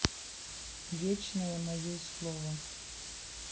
вечная моей слово